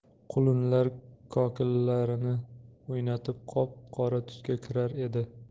qulunlar kokillarini o'ynatib qop qora tusga kirar edi